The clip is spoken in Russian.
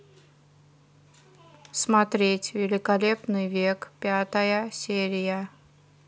смотреть великолепный век пятая серия